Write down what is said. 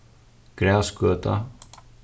grasgøta